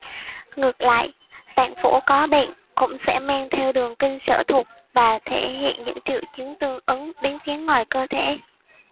ngược lại tạng phủ có bệnh cũng sẽ men theo đường kinh sở thuộc mà thể hiện những triệu chứng tương ứng đến phía ngoài cơ thể